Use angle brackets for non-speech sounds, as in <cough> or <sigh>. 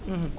<hesitation> <hesitation>